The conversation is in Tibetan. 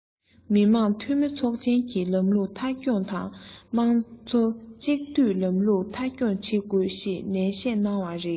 མི དམངས འཐུས མི ཚོགས ཆེན གྱི ལམ ལུགས མཐའ འཁྱོངས དང དམངས གཙོ གཅིག སྡུད ལམ ལུགས མཐའ འཁྱོངས བྱེད དགོས ཞེས ནན བཤད གནང བ རེད